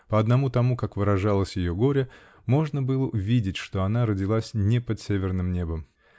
По одному тому, как выражалось ее горе, можно было видеть, что она родилась не под северным небом.